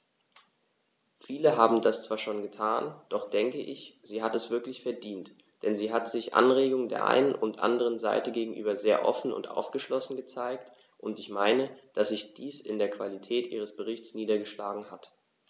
Viele haben das zwar schon getan, doch ich denke, sie hat es wirklich verdient, denn sie hat sich Anregungen der einen und anderen Seite gegenüber sehr offen und aufgeschlossen gezeigt, und ich meine, dass sich dies in der Qualität ihres Berichts niedergeschlagen hat.